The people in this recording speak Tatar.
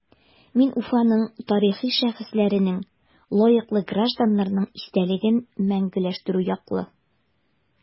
Мин Уфаның тарихи шәхесләренең, лаеклы гражданнарның истәлеген мәңгеләштерү яклы.